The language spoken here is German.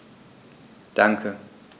Danke.